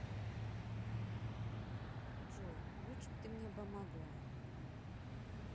джой лучше бы ты мне помогла